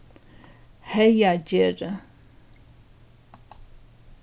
heygagerði